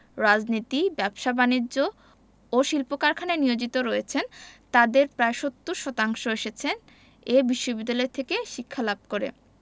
রাজনীতি ব্যবসা বাণিজ্য ও শিল্প কারখানায় নিয়োজিত রয়েছেন তাঁদের প্রায় ৭০ শতাংশ এসেছেন এ বিশ্ববিদ্যালয় থেকে শিক্ষালাভ করে